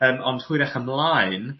Yym ond hwyrach ymlaen